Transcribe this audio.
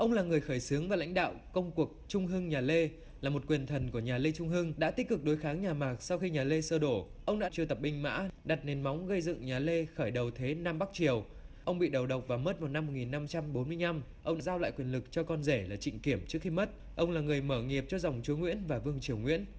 ông là người khởi xướng và lãnh đạo công cuộc trung hưng nhà lê là một quyền thần của nhà lê trung hưng đã tích cực đối kháng nhà mạc sau khi nhà lê sơ đổ ông đã triệu tập binh mã đặt nền móng gây dựng nhà lê khởi đầu thế nam bắc triều ông bị đầu độc và mất vào năm một nghìn năm trăm bốn mươi nhăm ông giao lại quyền lực cho con rể là trịnh kiểm trước khi mất ông là người mở nghiệp cho dòng chúa nguyễn và vương triều nguyễn